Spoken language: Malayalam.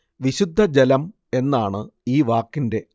വിശുദ്ധ ജലം എന്നാണ് ഈ വാക്കിന്റെ